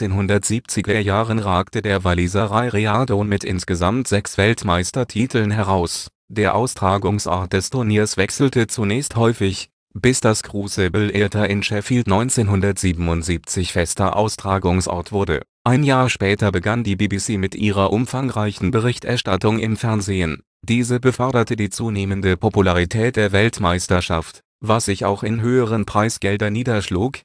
1970er-Jahren ragte der Waliser Ray Reardon mit insgesamt sechs Weltmeistertiteln heraus. Der Austragungsort des Turniers wechselte zunächst häufig, bis das Crucible Theatre in Sheffield 1977 fester Austragungsort wurde. Ein Jahr später begann die BBC mit ihrer umfangreichen Berichterstattung im Fernsehen. Diese beförderte die zunehmende Popularität der Weltmeisterschaft, was sich auch in höheren Preisgeldern niederschlug